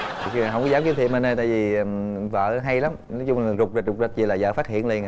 không có dám kiếm thêm anh ơi tại vì vợ hay lắm nói chung là dục dịch dục dịch là vợ phát hiện liền à